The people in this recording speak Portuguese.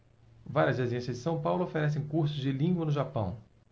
várias agências de são paulo oferecem cursos de língua no japão